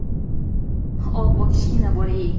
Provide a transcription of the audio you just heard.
obbo kichkina bolayey